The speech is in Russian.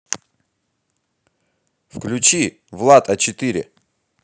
включи влад а четыре